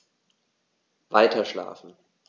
Weiterschlafen.